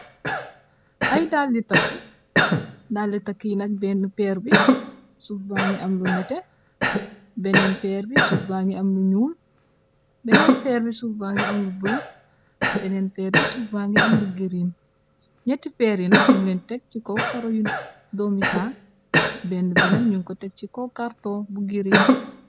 Ay dalle take dallr take yi nak benn peer bi suufba ngi am lu nete benneen peer bi suufba ngi am lu ñuul beneen peer bi sufba ngi am lu bula benneen peer bi suufba ngi am lu giriin ñetti peer yi nak ñum leen teg ci kaw karou yu dome taal bénn bi nak ñun ko teg ci kaw karto bu giriin.